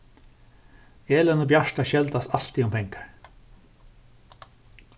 elin og bjarta skeldast altíð um pengar